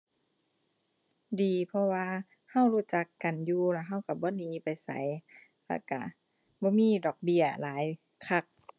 ดี เพราะว่าเรารู้จักกันอยู่ แล้วเราเราบ่หนีไปไส แล้วเราบ่มีดอกเบี้ยหลายคัก